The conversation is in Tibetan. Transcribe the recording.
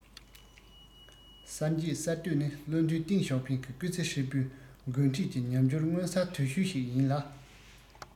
གསར འབྱེད གསར གཏོད ནི བློ མཐུན ཏེང ཞའོ ཕིང སྐུ ཚེ ཧྲིལ པོའི འགོ ཁྲིད ཀྱི ཉམས འགྱུར མངོན གསལ དོད ཤོས ཤིག ཡིན ལ